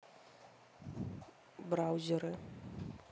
браузеры